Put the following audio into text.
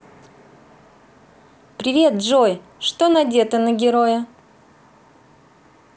привет джой что надето на героя